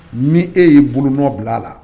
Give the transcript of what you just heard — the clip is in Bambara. Ni e y'i bolonɔ bil'a la